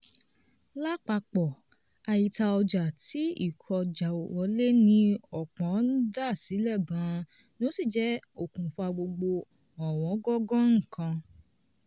Lápapọ̀, àìtà ọjà tí ìkọ́jàwọlé ní ọ̀pọ̀ ń dá sílẹ̀ gan ni ó sì jẹ́ okùnfà gbogbo ọ̀wọ́ngógó nǹkan.